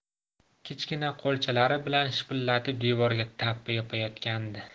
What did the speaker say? kichkina qo'lchalari bilan shipillatib devorga tappi yopayotgandi